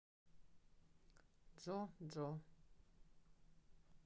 джо джо